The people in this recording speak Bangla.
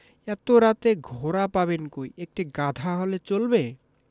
এত রাতে ঘোড়া পাবেন কই একটি গাধা হলে চলবে